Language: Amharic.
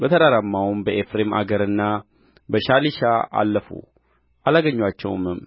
በተራራማው በኤፍሬም አገርና በሻሊሻ አለፉ አላገኙአቸውምም